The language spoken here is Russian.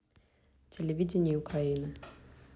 телевидение украины